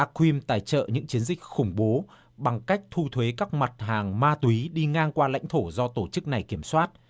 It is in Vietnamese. ba quym tài trợ những chiến dịch khủng bố bằng cách thu thuế các mặt hàng ma túy đi ngang qua lãnh thổ do tổ chức này kiểm soát